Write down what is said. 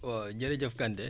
waaw jërëjëf Kante